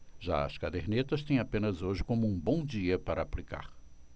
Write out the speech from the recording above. já as cadernetas têm apenas hoje como um bom dia para aplicar